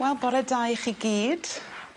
Wel bore da i chi gyd.